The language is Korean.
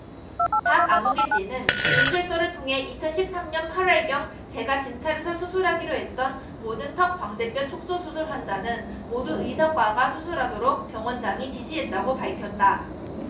박아무개씨는 진술서를 통해 이천 십 삼 년 팔 월경 제가 진찰해서 수술하기로 했던 모든 턱광대뼈축소수술 환자는 모두 의사 과 가 수술하도록 병원장이 지시했다고 밝혔다